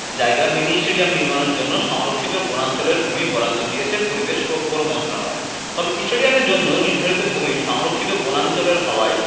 জায়গা mini stadium নির্মাণের জন্য সংরক্ষিত বনাঞ্চলের ভূমি বরাদ্দ দিয়েছে পরিবেশ ও বন মন্ত্রণালয় তবে স্টেডিয়ামের জন্য নির্ধারিত ভূমি সংরক্ষিত বনাঞ্চলের হওয়ায়